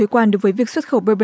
quan đối với việc xuất khẩu bên